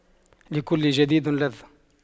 لكل جديد لذة